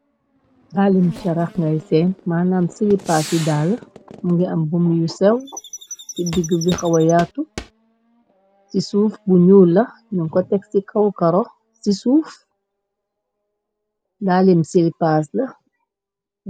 Daalim charah ngè senn, manam silipas ci daal, mungi am buum yu sèw, ci digi bi hawa yatu. Ci suuf bi ñuul la, mung ko tekk ci kaw karo ci suuf. daalim silipas la.